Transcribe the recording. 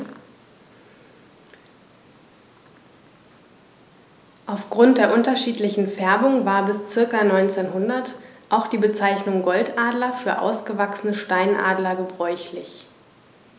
Auf Grund der unterschiedlichen Färbung war bis ca. 1900 auch die Bezeichnung Goldadler für ausgewachsene Steinadler gebräuchlich.